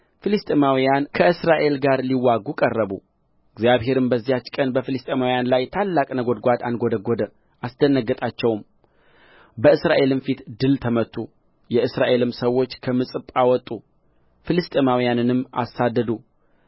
ፍልስጥኤማውያን ከእስራኤል ጋር ሊዋጉ ቀረቡ እግዚአብሔርም በዚያች ቀን በፍልስጥኤማውያን ላይ ታላቅ ነጐድጓድ አንጐደጐደ አስደነገጣቸውም በእስራኤልም ፊት ድል ተመቱ የእስራኤልም ሰዎች ከምጽጳ ወጡ ፍልስጥኤማውያንንም አሳደዱ